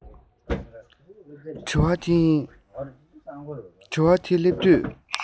དྲི བ འདི སླེབས དུས